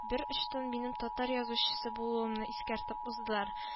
Бер очтан минем татар язучысы булуымны искәртеп уздылар